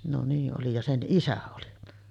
no niin oli ja sen isä oli